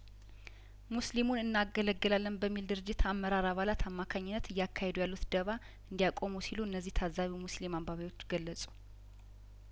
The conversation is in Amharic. ሙስሊሙን እና ገለግ ላለን በሚል ድርጅቶች አመራር አባላት አማካኝነት እያካሄዱ ያሉትን ደባ እንዲያቆሙ ሲሉ እነዚሁ ታዛቢ ሙስሊም አንባቢዎች ገለጹ